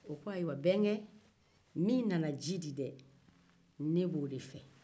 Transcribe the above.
o ko ayiwa n'bɛnkɛ min nana ji di dɛɛ n'bɛ o de fɛ